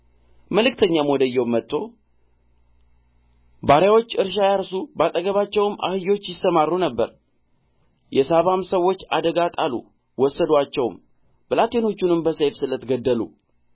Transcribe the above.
መልክተኛም ወደ ኢዮብ መጥቶ በሬዎች እርሻ ያርሱ በአጠገባቸውም አህዮች ይሰማሩ ነበር የሳባም ሰዎች አደጋ ጣሉ ወሰዱአቸውም ብላቴኖቹንም በሰይፍ ስለት ገደሉ